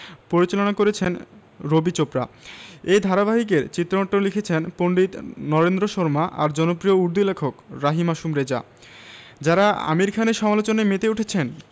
পরিচালনা করেছেন রবি চোপড়া এই ধারাবাহিকের চিত্রনাট্য লিখেছেন পণ্ডিত নরেন্দ্র শর্মা আর জনপ্রিয় উর্দু লেখক রাহি মাসুম রেজা যাঁরা আমির খানের সমালোচনায় মেতে উঠেছেন